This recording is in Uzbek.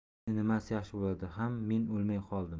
endi nimasi yaxshi bo'ladi ha men o'lmay qoldim